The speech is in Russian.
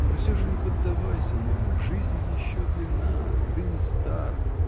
Но всё же не поддавайся ему — жизнь еще длинна, ты не стар.